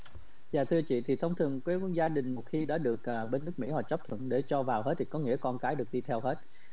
dạ thưa chị thì thông thường đối với gia đình một khi đã được cài bên nước mỹ hòa chấp thuận để cho vào hết thì có nghĩa con cái được đi theo hết